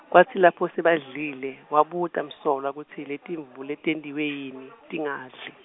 kwatsi lapho sebadlile, wabuta Msolwa kutsi letimvu, letentiwe yini, tingadli.